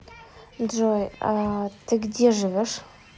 джой а ты где живешь